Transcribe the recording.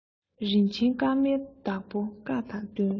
རིན ཆེན སྐར མའི བདག པོའི བཀའ དང བསྟུན